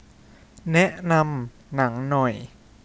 แนะนำหนังหน่อย